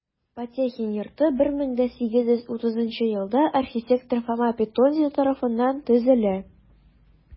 Потехин йорты 1830 елда архитектор Фома Петонди тарафыннан төзелә.